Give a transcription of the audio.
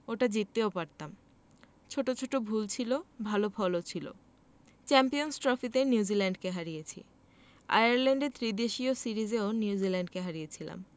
ওটা জিততেও পারতাম ছোট ছোট ভুল ছিল ভালো ফলও ছিল চ্যাম্পিয়নস ট্রফিতে নিউজিল্যান্ডকে হারিয়েছি আয়ারল্যান্ডে ত্রিদেশীয় সিরিজেও নিউজিল্যান্ডকে হারিয়েছিলাম